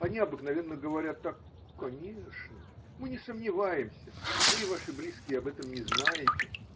Они обыкновенно говорят так: Конечно, мы не сомневаемся, вы и ваши близкие об этом не знаете.